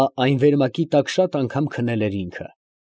Ահա այն վերմակի տակ շատ անգամ քնել էր ինքը…։